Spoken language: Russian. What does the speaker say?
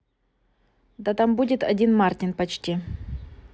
да там будет один мартин почти